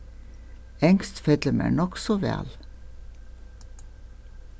enskt fellur mær nokk so væl